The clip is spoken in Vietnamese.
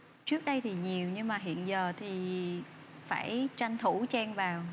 trước đây thì nhiều nhưng mà hiện giờ thì phải tranh thủ chen vào